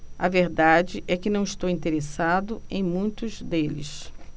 a verdade é que não estou interessado em muitos deles